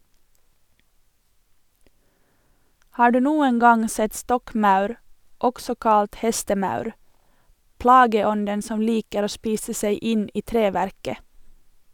Har du noen gang sett stokkmaur, også kalt hestemaur, plageånden som liker å spise seg inn i treverket?